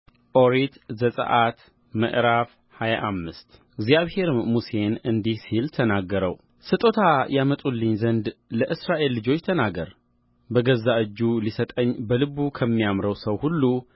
ኦሪት ዘጽአት ምዕራፍ ሃያ አምስት እግዚአብሔርም ሙሴን እንዲህ ሲል ተናገረው ስጦታ ያመጡልኝ ዘንድ ለእስራኤል ልጆች ተናገር በገዛ እጁ ሊሰጠኝ በልቡ ከሚያምረው ሰው ሁሉ